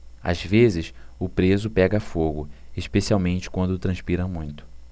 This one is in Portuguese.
às vezes o preso pega fogo especialmente quando transpira muito